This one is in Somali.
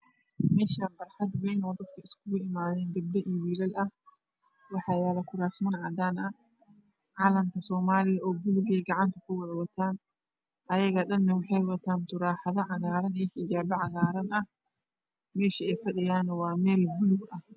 Meshaan parxad ween oo dadka isku imadaan gabdho iyo wiilal ah waxaa yala ku Raasman cadaana ah calanka soomaliyo pulug ah gacnta ku wada wataan gabdhana waxey wataan turaxda cadaana h iyo xijapa cadaan ahmeesha ey fadhiyaana waa wa meel puluug aha